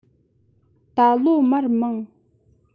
ད ལོ མར མང